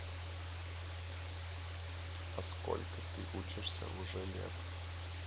а сколько ты учишься уже лет